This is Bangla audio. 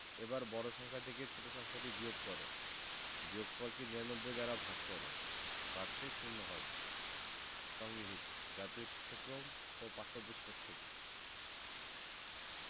এবার বড় সংখ্যাটি থেকে ছোট সংখ্যাটি বিয়োগ কর বিয়োগফল ৯৯ দ্বারা ভাগ কর ভাগশেষ শূন্য হবে সংগৃহীত জাতীয় শিক্ষাক্রম ও পাঠ্যপুস্তক থেকে